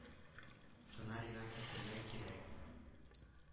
Сценарийга кертергә кирәк.